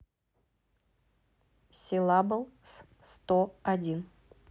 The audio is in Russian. силабл с сто один